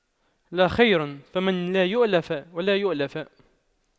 لا خير فيمن لا يَأْلَفُ ولا يؤلف